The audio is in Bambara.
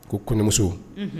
Ko kɔɲɔmuso